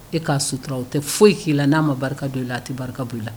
E k'a sutura o tɛ foyi k' la n'a ma barika don la a tɛ barika boli la